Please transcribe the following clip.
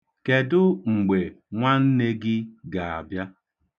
Kedụ mgbe nwanne gị ga-abịa?